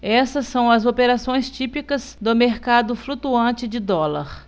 essas são as operações típicas do mercado flutuante de dólar